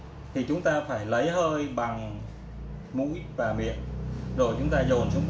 chúng ta phải lấy hơi bằng mũi và miệng rồi sau đó dồn xuống bụng